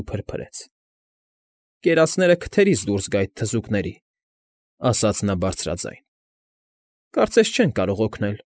Ու փրփրեց։ ֊ Կերածները քթերից դուրս գա այդ թզուկների, ֊ ասաց նա բարձրաձայն։ ֊ Կարծես չեն կարող օգնել։